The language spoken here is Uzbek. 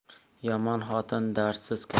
yomon xotin dardsiz kasal